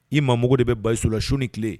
de bɛ Bayisu la su ni tile.